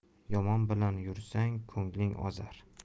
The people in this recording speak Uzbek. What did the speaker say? yomon bilan yursang ko'ngling ozar